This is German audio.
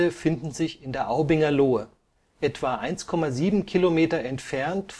finden sich in der Aubinger Lohe, etwa 1,7 Kilometer entfernt